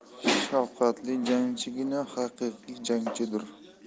shafqatli jangchigina haqiqiy jangchidir